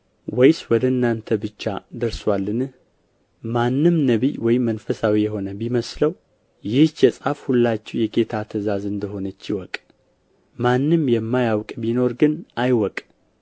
ወይስ ወደ እናንተ ብቻ ደርሶአልን ማንም ነቢይ ወይም መንፈሳዊ የሆነ ቢመስለው ይህች የጻፍሁላችሁ የጌታ ትእዛዝ እንደ ሆነች ይወቅ ማንም የማያውቅ ቢኖር ግን አይወቅ